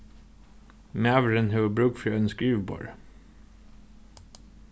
maðurin hevur brúk fyri einum skriviborði